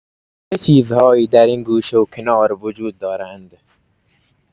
چه چیزهای در این گوشه‌وکنار وجود دارند؟